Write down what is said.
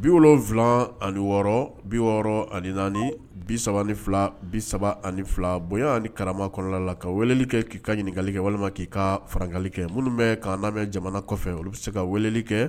Bi wolofila ani wɔɔrɔ bi wɔɔrɔ ani naani bi3 ani fila bi3 ani fila bonya ani kara kɔnɔna la ka wli kɛ k'i ka ɲininkali kɛ walima k'i ka farali kɛ minnu bɛ ka mɛn jamana kɔfɛ olu bɛ se ka weleli kɛ